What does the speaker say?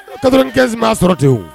Kato in kɛnsin m' sɔrɔ tenwu